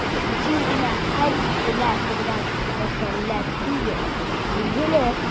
Бу тиз генә хәл ителә торган мәсьәлә түгел, билгеле.